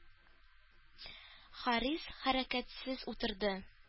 Харис хәрәкәтсез утырды.